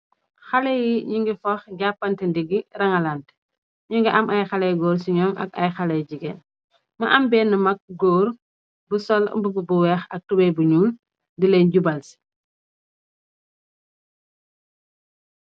Xale yi ñi ngi fox jàppante ndiggi rangalante ñu ngi am ay xaley góor ci ñoom ak ay xaley jigen më am benn mag góor bu sol mbub bu weex ak tube bu ñul di leen jubal si.